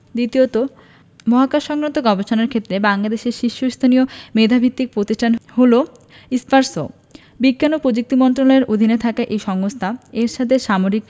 দ্বিতীয়ত মহাকাশসংক্রান্ত গবেষণার ক্ষেত্রে বাংলাদেশের শীর্ষস্থানীয় মেধাভিত্তিক প্রতিষ্ঠান হলো স্পারসো বিজ্ঞান ও প্রযুক্তি মন্ত্রণালয়ের অধীনে থাকা এই সংস্থা এরশাদের সামরিক